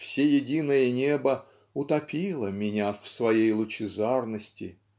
всеединое небо "утопило" меня "в своей лучезарности"